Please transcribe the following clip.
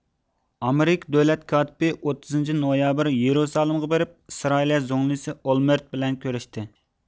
ئامېرىكا دۆلەت كاتىپى ئوتتۇزىنچى نويابىر يېرۇسالېمغا بېرىپ ئىسرائىلىيە زۇڭلىسى ئولمېرت بىلەن كۆرۈشتى